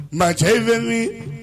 Maa cɛ yi bɛ min?